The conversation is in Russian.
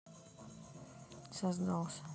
создался